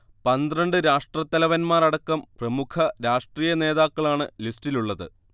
പന്ത്രണ്ട് രാഷ്ട്രത്തലവന്മാർ അടക്കം പ്രമുഖ രാഷ്ട്രീയ നേതാക്കളാണ് ലിസ്റ്റിലുള്ളത്